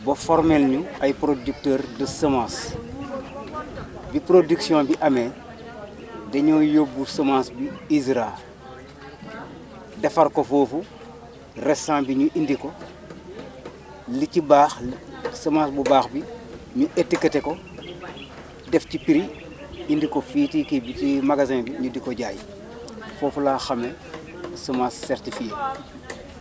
ba formé meel ñu ay producteurs de semence bi production bi amee dañoo yóbbu semence bi ISRA defar ko foofu restant bi ñu indi ko li ci baax semence bu baax bi ñu étiquetté ko def ci prix indi ko fii ci kii bi ci magasin bi ñu di ko jaay foofu laa xamee seence certifiée